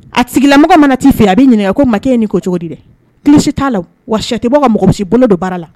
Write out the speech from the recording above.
A tigilamɔgɔ mana t'i fɛ, a b'i ɲininka k'o tuma, i ye ni ko cogo di dɛ? Kilisi t'a la. wa sɛ tɛ bɔ ka mɔgɔ si bolo don baara la.